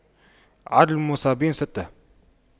عدد المصابين ستة